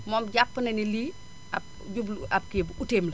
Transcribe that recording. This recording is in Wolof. moom jàpp na ne lii ab jublu ab kii outil am la